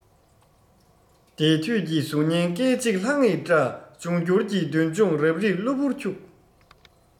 འདས དུས ཀྱི གཟུགས བརྙན སྐད ཅིག ལྷང ངེར བཀྲ འབྱུང འགྱུར གྱི མདུན ལྗོངས རབ རིབ གློ བུར འཁྱུགས